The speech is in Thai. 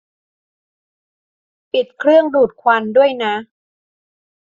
ปิดเครื่องดูดควันด้วยนะ